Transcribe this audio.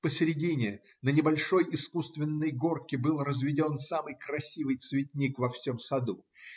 посредине, на небольшой искусственной горке, был разведен самый красивый цветник во всем саду